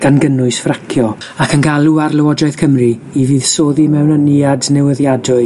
gan gynnwys fracio, ac yn galw ar Lywodraeth Cymru i fuddsoddi mewn ynni adnewyddiadwy